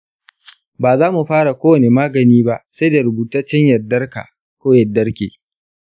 ba za mu fara kowane magani ba sai da rubutaccen yardarka/yardark ba.